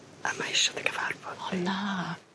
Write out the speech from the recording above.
A mae isio dy cyfarfod di. O na.